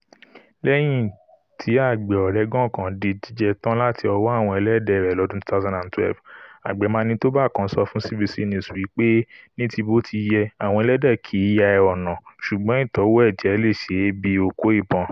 Lẹ́yìn tí àgbẹ̀ Oregon kan di jíjẹ tán láti ọwọ́ àwọn ẹlẹ́dẹ̀ rẹ̀ lọ́dún 2012, àgbẹ̀ Manitoba kan sọ fún CBC News wí pé níti bótiyẹ àwọn ẹlẹ́dẹ̀ kìí ya ẹhànnà ṣùgbọ́n ìtọ́wò ẹ̀jẹ̀ leè ṣe bíi ''okó ìbọn.''